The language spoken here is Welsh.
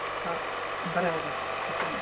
Cael ymbarel bach uwch 'y mhen.